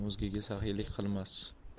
o'zgaga saxiylik qilmas